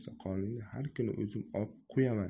soqolingni har kuni o'zim op qo'yaman